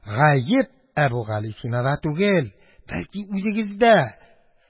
Гаеп Әбүгалисинада түгел, бәлки үзегездә.